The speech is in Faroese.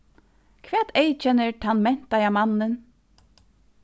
hvat eyðkennir tann mentaða mannin